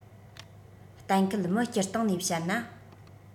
གཏན འཁེལ མི སྤྱིར བཏང ནས བཤད ན